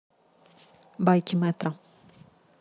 байки мэтра